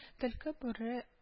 Төлке, бүре